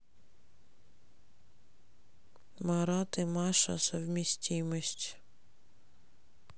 марат и маша совместимость